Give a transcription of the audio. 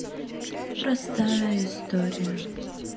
простая история